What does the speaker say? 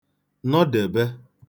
nọdèbe